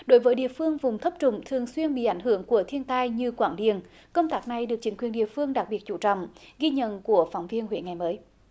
đối với địa phương vùng thấp trũng thường xuyên bị ảnh hưởng của thiên tai như quảng điền công tác này được chính quyền địa phương đặc biệt chú trọng ghi nhận của phóng viên huế ngày mới